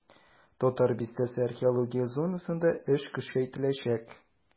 "татар бистәсе" археология зонасында эш көчәйтеләчәк.